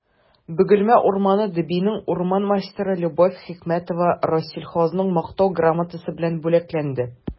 «бөгелмә урманы» дбинең урман мастеры любовь хикмәтова рослесхозның мактау грамотасы белән бүләкләнде